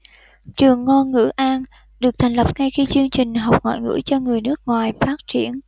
trường ngôn ngữ an được thành lập ngay khi chương trình học ngoại ngữ cho người nước ngoài phát triển